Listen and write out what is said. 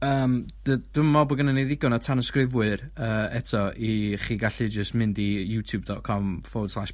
Yym d- dwi'm yn me'wl bod gennyn ni ddigon o tanysgrifwyr yy eto i chi gallu jyst mynd i youtube.com forward slash...